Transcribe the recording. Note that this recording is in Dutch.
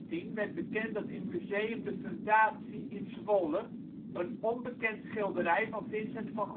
2010 werd bekend dat in Museum De Fundatie in Zwolle een onbekend schilderij van Vincent van